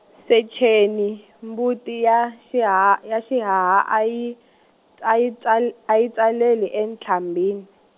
Secheni, Mbuti ya xiha-, ya xihaha a yi t-, a yi t-, a yi tswal-, a yi tswaleli entlhambini.